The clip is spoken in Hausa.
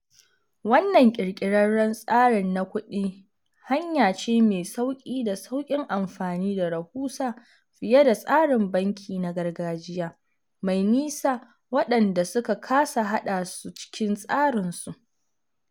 Wannan ƙirƙirarren tsarin na kuɗi hanya ce mai sauƙi da sauƙin amfani da rahusa fiye da tsarin banki na gargajiya, mai 'nisa' waɗanda suka kasa haɗa su cikin tsarin su.